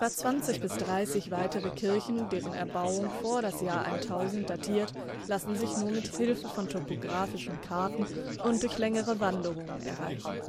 20 bis 30 weitere Kirchen, deren Erbauung vor das Jahr 1000 datiert, lassen sich nur mit Hilfe von topographischen Karten und durch längere Wanderungen erreichen